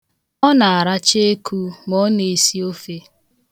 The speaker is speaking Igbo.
Ọ na-aracha eku ma ọ na-esi ofe.